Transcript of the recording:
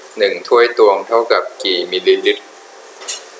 หนึ่งถ้วยตวงเท่ากับกี่มิลลิลิตร